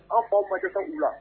An fa aw ma ka u la